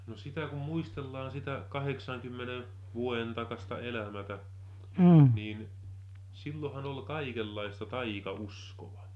no sitä kun muistellaan sitä kahdeksankymmenen vuoden takaista elämää niin silloinhan oli kaikenlaista taikauskoa